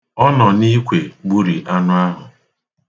Ọ nọ n'ikwe gburi anụ ahụ.